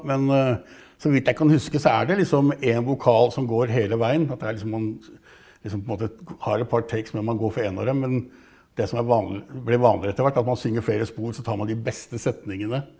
men så vidt jeg kan huske så er det liksom en vokal som går hele veien, at det er liksom man liksom på en måte har et par takes hvor man går for én av dem, men det som er ble vanlig etter hvert da er at man synger flere spor så tar man de beste setningene.